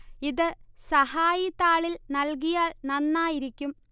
ഇത് സഹായി താളിൽ നൽകിയാൽ നന്നായിരിക്കും